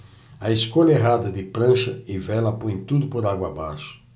a escolha errada de prancha e vela põe tudo por água abaixo